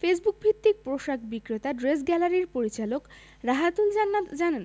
ফেসবুকভিত্তিক পোশাক বিক্রেতা ড্রেস গ্যালারির পরিচালক রাহাতুল জান্নাত জানান